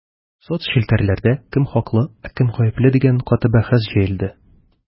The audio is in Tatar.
Соцчелтәрләрдә кем хаклы, ә кем гапле дигән каты бәхәс җәелде.